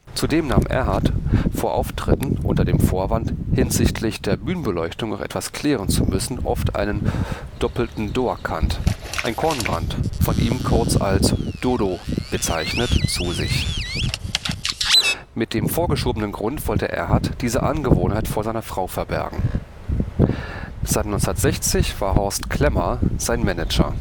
Zudem nahm Erhardt vor Auftritten unter dem Vorwand, hinsichtlich der Bühnenbeleuchtung noch etwas klären zu müssen, oft einen „ doppelten Doornkaat “(ein Kornbrand, von ihm kurz als „ Dodo “bezeichnet) zu sich. Mit dem vorgeschobenen Grund wollte Erhardt diese Angewohnheit vor seiner Frau verbergen. Seit 1960 war Horst Klemmer sein Manager